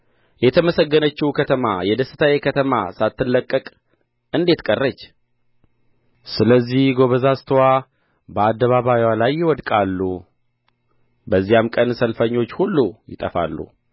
የተመሰገነችው ከተማ የደስታዬ ከተማ ሳትለቀቅ እንዴት ቀረች ስለዚህ ጐበዛዝትዋ በአደባባይዋ ላይ ይወድቃሉ በዚያም ቀን ሰልፈኞች ሁሉ ይጠፋሉ